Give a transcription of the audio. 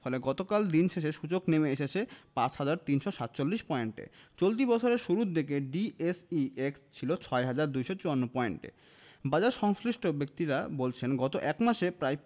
ফলে গতকাল দিন শেষে সূচক নেমে এসেছে ৫ হাজার ৩৪৭ পয়েন্টে চলতি বছরের শুরুর দিনে ডিএসইএক্স ছিল ৬ হাজার ২৫৪ পয়েন্টে বাজারসংশ্লিষ্ট ব্যক্তিরা বলছেন গত এক মাসে প্রায়